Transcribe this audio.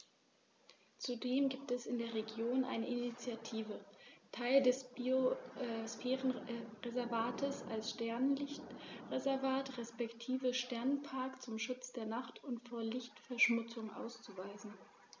Zudem gibt es in der Region eine Initiative, Teile des Biosphärenreservats als Sternenlicht-Reservat respektive Sternenpark zum Schutz der Nacht und vor Lichtverschmutzung auszuweisen.